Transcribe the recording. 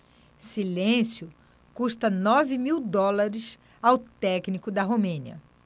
silêncio custa nove mil dólares ao técnico da romênia